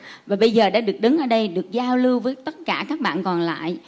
và bây giờ đã được đứng ở đây được giao lưu với tất cả các bạn còn lại